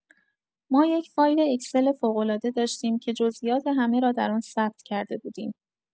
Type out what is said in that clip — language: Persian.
ما یک فایل اکسل فوق‌العاده داشتیم که جزئیات همه را در آن ثبت کرده بودیم.